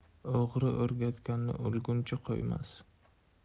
o'g'ri o'rganganini o'lguncha qo'ymas